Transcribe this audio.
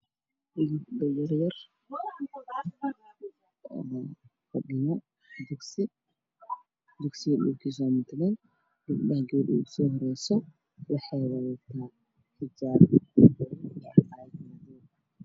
Dawaarlasha, fadhiyosigisyo naag ugu soo horayso